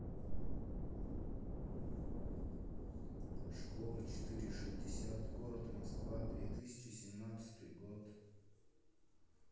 школа четыре шестьдесят город москва две тысячи семнадцатый год